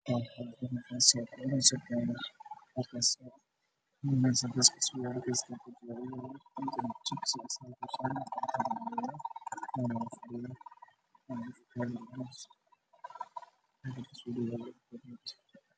Waa nin cunaayo jikin